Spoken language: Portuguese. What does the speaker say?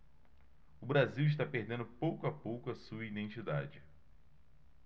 o brasil está perdendo pouco a pouco a sua identidade